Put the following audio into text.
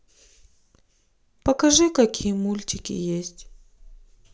покажи какие мультики есть